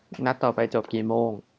นัดต่อไปจบกี่โมง